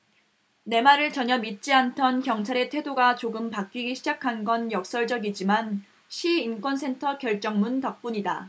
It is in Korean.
내 말을 전혀 믿지 않던 경찰의 태도가 조금 바뀌기 시작한 건 역설적이지만 시 인권센터 결정문 덕분이다